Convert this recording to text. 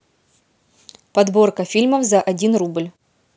подборка фильмов за один рубль